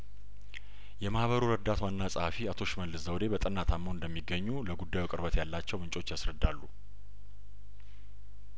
የማህበሩ ረዳት ዋና ጸሀፊ አቶ ሽመልስ ዘውዴ በጠና ታመው እንደሚገኙ ለጉዳዩ ቅርበት ያላቸውምንጮች ያስረዳሉ